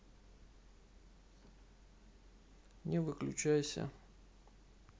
не выключайся